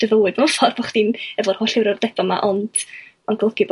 dy fywyd mewn ffor' bo' chdi'n efo'r holl gyfrifoldeba' 'ma ond ma'n golygu bo'